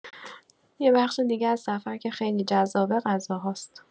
یه بخش دیگه از سفر که خیلی جذابه، غذاهاست!